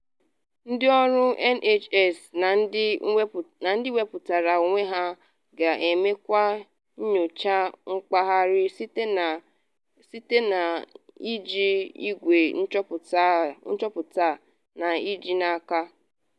Ndị ọrụ NHS na ndị wepụtara onwe ha ga-emekwa nyocha mkpagharị site na n’iji igwe nchọpụta a na-eji n’aka.